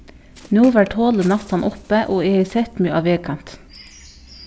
nú var tolið næstan uppi og eg hevði sett meg á vegkantin